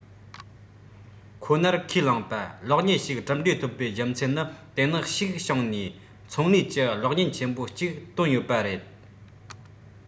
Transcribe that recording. ཁོ ནར ཁས བླངས པ གློག བརྙན ཞིག གྲུབ འབྲས ཐོབ པའི རྒྱུ མཚན ནི དེ ནི ཞིག བྱུང ནས ཚོང ལས ཀྱི གློག བརྙན ཆེན མོ ཅིག བཏོན ཡོད པ རེད